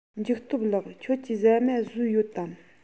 འཇིགས སྟོབས ལགས ཁྱོད ཀྱིས ཟ མ ཟོས ཡོད དམ